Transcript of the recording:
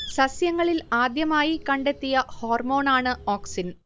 സസ്യങ്ങളിൽ ആദ്യമായി കണ്ടെത്തിയ ഹോർമോൺ ആണ് ഓക്സിൻ